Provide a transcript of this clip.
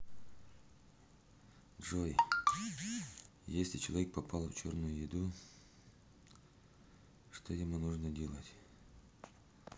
джой если человек попал в черную еду что ему нужно делать